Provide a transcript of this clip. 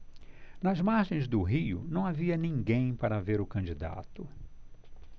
nas margens do rio não havia ninguém para ver o candidato